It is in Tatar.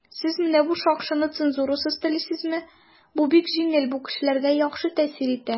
"сез менә бу шакшыны цензурасыз телисезме?" - бу бик җиңел, бу кешеләргә яхшы тәэсир итә.